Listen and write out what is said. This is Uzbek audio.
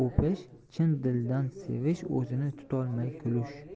o'pish chin dildan sevish o'zini tutolmay kulish